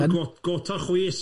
gael go- got o chwys.